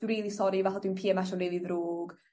rili sori fatha dwi'n Pee Em Essio'n rili ddrwg